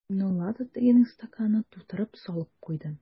Миңнулла да тегенең стаканына тутырып салып куйды.